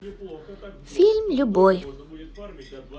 фильм любой